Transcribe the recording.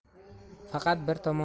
faqat bir tomonni